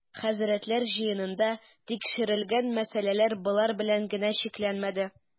Хәзрәтләр җыенында тикшерел-гән мәсьәләләр болар белән генә чикләнмәде.